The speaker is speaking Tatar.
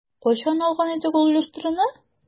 Кайчан алган идек ул люстраны?